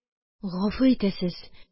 Гафу итәсез